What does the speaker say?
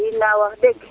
i nda wax deg